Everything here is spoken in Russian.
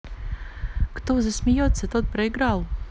кто засмеется тот проиграл